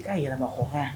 I ka yɛlɛma ko hɔn